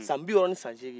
san bi wɔɔrɔ ni san seegin